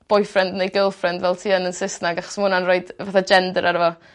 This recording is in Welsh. boyfriend neu girlfriend fel ti yn yn Saesneg achos ma' wnna'n roid fatha gender arno fo.